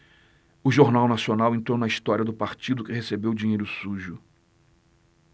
o jornal nacional entrou na história do partido que recebeu dinheiro sujo